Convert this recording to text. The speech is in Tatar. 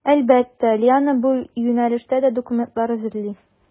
Әлбәттә, Лиана бу юнәлештә дә документлар әзерли.